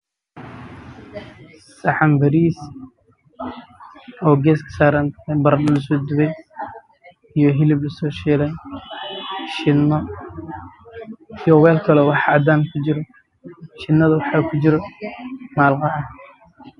Saxan bariis ah iyo barandho la shiilay